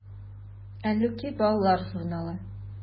“әллүки” балалар журналы.